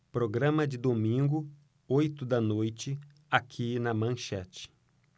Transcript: programa de domingo oito da noite aqui na manchete